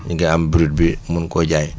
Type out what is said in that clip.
ñu ngi am brut bi mun koo jaay